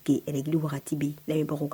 K' ki waatibi la bɛbagaw kan